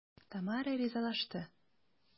Тамара ризалашты.